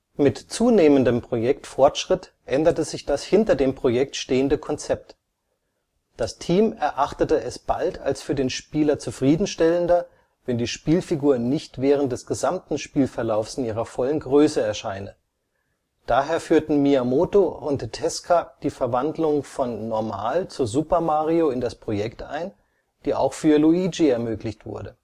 Mit zunehmendem Projektfortschritt änderte sich das hinter dem Projekt stehende Konzept. Das Team erachtete es bald als für den Spieler zufriedenstellender, wenn die Spielfigur nicht während des gesamten Spielverlaufs in ihrer vollen Größe erscheine. Daher führten Miyamoto und Tezuka die Verwandlung von Normal - zu Super Mario in das Projekt ein, die auch für Luigi ermöglicht wurde